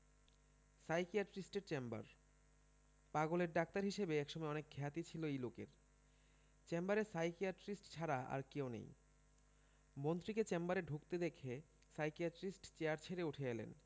সাইকিয়াট্রিস্টের chamber পাগলের doctor হিসেবে একসময় অনেক খ্যাতি ছিল এই লোকের চেম্বারে সাইকিয়াট্রিস্ট ছাড়া আর কেউ নেই মন্ত্রীকে চেম্বারে ঢুকতে দেখে সাইকিয়াট্রিস্ট চেয়ার ছেড়ে উঠে এলেন